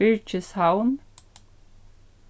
byrgishavn